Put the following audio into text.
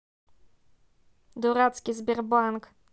дурацкий сбербанк